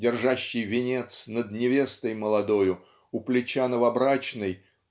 держащий венец над невестой молодою у плеча новобрачной